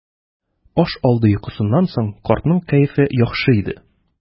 Аш алды йокысыннан соң картның кәефе яхшы иде.